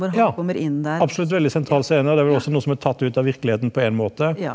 ja absolutt veldig sentral scene, og det er vel også noe som er tatt ut av virkeligheten på én måte.